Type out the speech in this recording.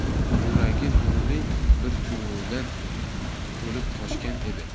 yuragi nurli bir tuyg'udan to'lib toshgan edi